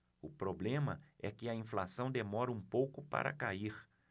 o problema é que a inflação demora um pouco para cair